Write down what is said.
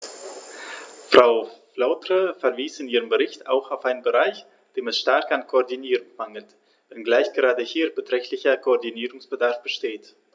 Frau Flautre verwies in ihrem Bericht auch auf einen Bereich, dem es stark an Koordinierung mangelt, wenngleich gerade hier beträchtlicher Koordinierungsbedarf besteht.